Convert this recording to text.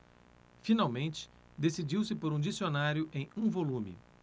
finalmente decidiu-se por um dicionário em um volume